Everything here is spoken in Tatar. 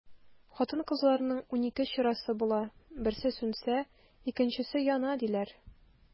Хатын-кызларның унике чырасы була, берсе сүнсә, икенчесе яна, диләр.